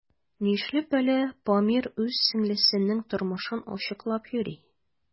Нишләп әле Памир үз сеңлесенең тормышын ачыклап йөри?